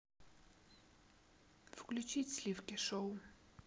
включить сливки шоу